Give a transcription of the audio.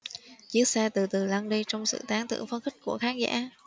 chiếc xe từ từ lăn đi trong sự tán thưởng phấn khích của khán giả